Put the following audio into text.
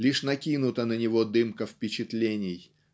лишь накинута на него дымка впечатлений